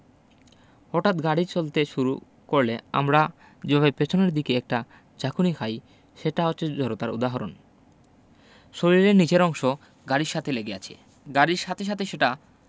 হটাৎ গাড়ি চলতে শুরু করলে আমরা যেভাবে পেছনের দিকে একটা ঝাঁকুনি খাই সেটা হচ্ছে জড়তার উদাহরণ শরীরের নিচের অংশ গাড়ির সাথে লেগে আছে গাড়ির সাথে সাথে সেটা